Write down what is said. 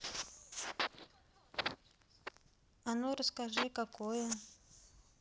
а ну расскажи какое